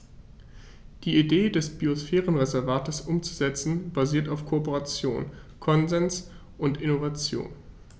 Die Idee des Biosphärenreservates umzusetzen, basiert auf Kooperation, Konsens und Innovation.